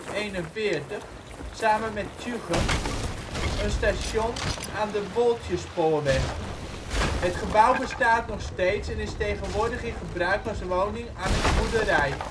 1929 tot 1941, samen met Tjuchem, een station aan de Woldjerspoorweg. Het gebouw bestaat nog steeds en is tegenwoordig in gebruik als woning annex boerderij